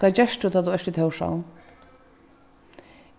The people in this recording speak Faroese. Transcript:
hvat gert tú tá tú ert í tórshavn